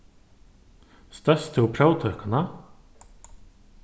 stóðst tú próvtøkuna